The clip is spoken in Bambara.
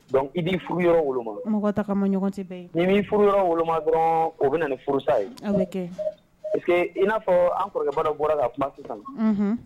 Dɔnku i' furu wolo mɔgɔ ni furu woloma o bɛ na nin furusa ye parce que i n'a fɔ an kɔrɔkɛba dɔ bɔra la kuma sisan